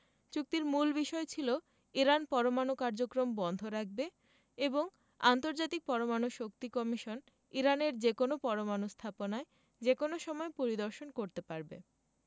চুক্তির মূল বিষয় ছিল ইরান পরমাণু কার্যক্রম বন্ধ রাখবে এবং আন্তর্জাতিক পরমাণু শক্তি কমিশন ইরানের যেকোনো পরমাণু স্থাপনায় যেকোনো সময় পরিদর্শন করতে পারবে